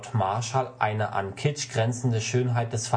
Marschall eine „ an Kitsch grenzende Schönheit des